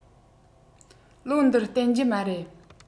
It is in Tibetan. ལོ འདིར བརྟན རྒྱུ མ རེད